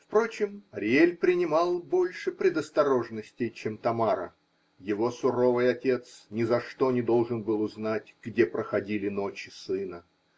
Впрочем, Ариэль принимал больше предосторожностей, чем Тамара: его суровый отец ни за что не должен был узнать, где проходили ночи сына.